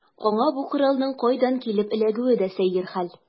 Аңа бу коралның кайдан килеп эләгүе дә сәер хәл.